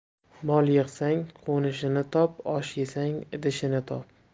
mol yig'sang qo'nishini top osh yesang idishini top